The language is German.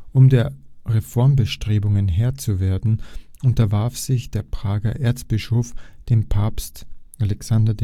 Um der Reformbestrebungen Herr zu werden, unterwarf sich der Prager Erzbischof dem Papst Alexander